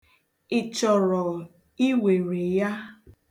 Ị chọrọ iwere ya?